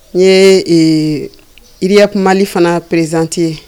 N ye yirireriyakumali fana prezsanzti ye